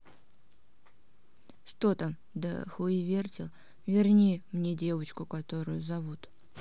что там до хуевертил верни мне девчонку которую зовут